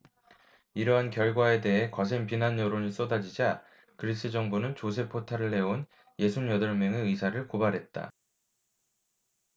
이러한 결과에 대해 거센 비난 여론이 쏟아지자 그리스 정부는 조세 포탈을 해온 예순 여덟 명의 의사를 고발했다